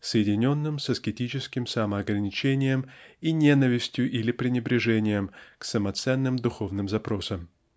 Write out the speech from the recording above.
соединенном с аскетическим самоограничением и ненавистью или пренебрежением к самоценным духовным запросам.